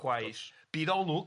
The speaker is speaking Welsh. chwaeth bydolwg